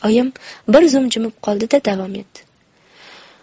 oyim bir zum jimib qoldi da davom etdi